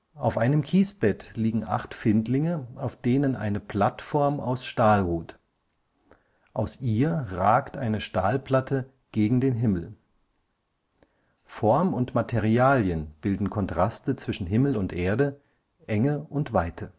Auf einem Kiesbett liegen acht Findlinge, auf denen eine Plattform aus Stahl ruht. Aus ihr ragt eine Stahlplatte gegen den Himmel. Form und Materialien bilden Kontraste zwischen Himmel und Erde, Enge und Weite